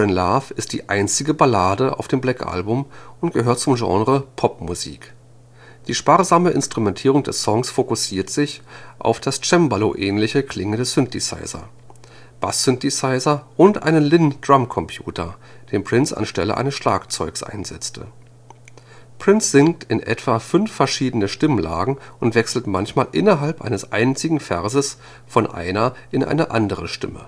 Love ist die einzige Ballade auf dem Black Album und gehört zum Genre Popmusik. Die sparsame Instrumentierung des Songs fokussiert sich auf Cembalo-ähnlich klingende Synthesizer, Bass-Synthesizer und einen Linn-Drumcomputer, den Prince anstelle eines Schlagzeugs einsetzte. Prince singt in etwa fünf verschiedenen Stimmlagen und wechselt manchmal innerhalb eines einzigen Verses von einer in eine andere Stimme